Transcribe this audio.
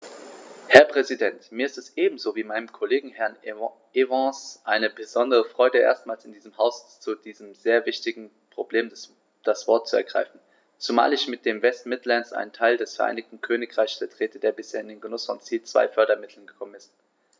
Herr Präsident, mir ist es ebenso wie meinem Kollegen Herrn Evans eine besondere Freude, erstmals in diesem Haus zu diesem sehr wichtigen Problem das Wort zu ergreifen, zumal ich mit den West Midlands einen Teil des Vereinigten Königreichs vertrete, der bisher in den Genuß von Ziel-2-Fördermitteln gekommen ist.